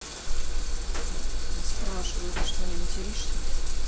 я спрашиваю ты что не материшься